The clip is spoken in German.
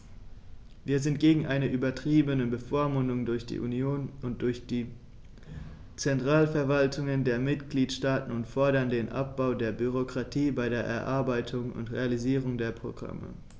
Wir sind gegen eine übertriebene Bevormundung durch die Union und die Zentralverwaltungen der Mitgliedstaaten und fordern den Abbau der Bürokratie bei der Erarbeitung und Realisierung der Programme.